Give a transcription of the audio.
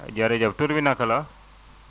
jërëjëf tur bi naka la